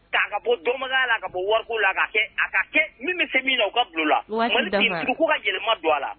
Ka a ka bɔ donbaaya la a ka bɔ wari ko la ka kɛ a ka kɛ min bɛ se min na o ka bil'o. Waati dafara. Mali tenue tigiw ko ka yɛlɛma don a la.